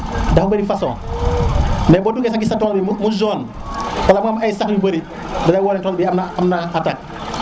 nafa bëri facon:frabo gis sa tol bi mu jaune wala mu am ay sax yu bëri lolu mooy wone ne tol bi amna attaque